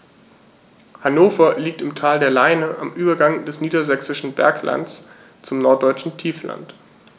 Hannover liegt im Tal der Leine am Übergang des Niedersächsischen Berglands zum Norddeutschen Tiefland.